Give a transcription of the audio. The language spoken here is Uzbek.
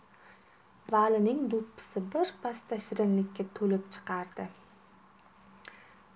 valining do'ppisi bir pasda shirinlikka to'lib chiqardi